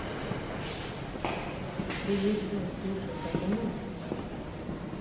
привет джой слушай давно не виделись